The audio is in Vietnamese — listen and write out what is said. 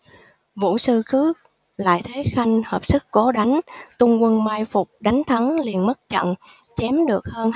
vũ sư thước lại thế khanh hợp sức cố đánh tung quân mai phục đánh thắng liền mấy trận chém được hơn